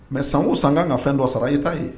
Mɛ san san kan ka fɛn dɔ sara i ye t'a ye